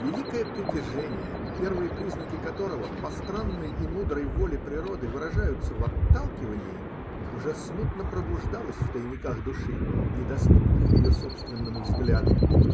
Великое притяжение, первые признаки которого, по странной и мудрой воле природы, выражаются в отталкивании, уже смутно пробуждалось в тайниках души, недоступных ее собственному взгляду.